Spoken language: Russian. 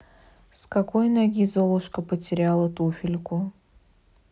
с какой ноги золушка потеряла туфельку